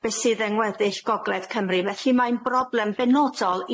be' sydd yng ngweddill gogledd Cymru felly mae'n broblem benodol